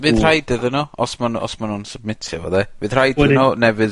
Fydd rhaid iddyn nw. Os ma'n os ma' nw'n sybmitio fo 'de. Fydd rhaid iddyn nw ne' fydd